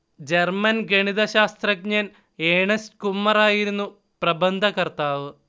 German ഗണിതശാസ്ത്രജ്ഞൻ Ernest കുമ്മറായിരുന്നു പ്രബന്ധകർത്താവ്